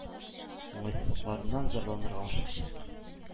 Уңайсызлыкларыннан зарланырга ашыкмыйк.